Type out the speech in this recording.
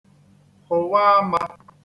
hụ̀wa āmā